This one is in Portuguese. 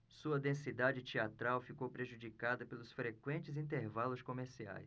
sua densidade teatral ficou prejudicada pelos frequentes intervalos comerciais